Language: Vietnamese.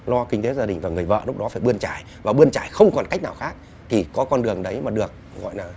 lo kinh tế gia đình và người vợ lúc đó phải bươn chải và bươn chải không còn cách nào khác thì có con đường đấy mà được gọi là